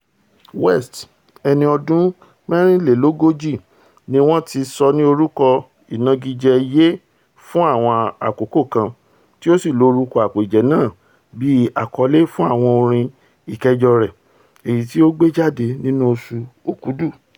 West, ẹni ọdún mẹ́rinlélógójì, ni wọ́n ti sọ ní orúkọ ìnagijẹ Ye fún àwọn àkókò kan tí ó sì lo orúkọ àpèjẹ́ náà bíi àkọlé fún àwo orin ìkẹjọ rẹ̀, èyití ó gbéjáde nínú oṣù Òkúdu.